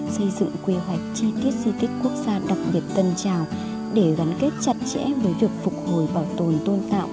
xây dựng quy hoạch chi tiết di tích quốc gia đặc biệt tân trào để gắn kết chặt chẽ với việc phục hồi bảo tồn tôn tạo